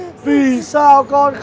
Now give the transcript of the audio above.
vì sao con